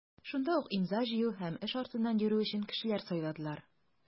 Шунда ук имза җыю һәм эш артыннан йөрү өчен кешеләр сайладылар.